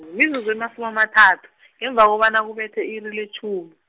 mizuzu emasumi amathathu, ngemva kobana kubethe i-iri letjhumi.